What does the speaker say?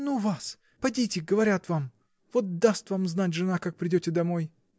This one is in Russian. — Ну вас, подите, говорят вам: вот даст вам знать жена, как придете домой.